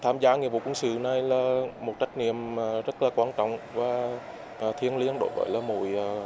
tham gia nghĩa vụ quân sự này là một trách nhiệm mà rất là quan trọng và và thiêng liêng đối với là một